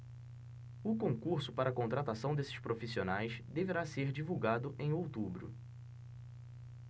o concurso para contratação desses profissionais deverá ser divulgado em outubro